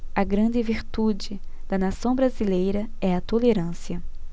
a grande virtude da nação brasileira é a tolerância